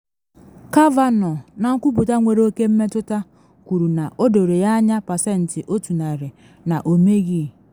Kavanaugh, na nkwupụta nwere oke mmetụta, kwuru na o doro ya anya pasentị 100 na ọ meghị.